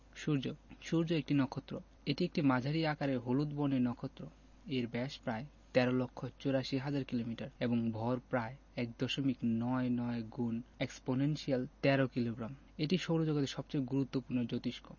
সূর্য সূর্য একটি নক্ষত্র এটি একটি মাঝারি আকারের হলুদ বর্ণের নক্ষত্র এর ব্যাস প্রায় ১৩ লক্ষ ৮৪ হাজার কিলোমিটার এবং ভর প্রায় এক দশমিক নয় নয় এক্সপনেনশিয়াল ১৩ কিলোগ্রাম এটি সৌরজগতের সবচেয়ে গুরুত্বপূর্ণ জোতিষ্ক